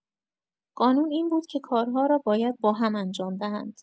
قانون این بود که کارها را باید باهم انجام دهند.